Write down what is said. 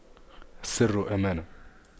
السر أمانة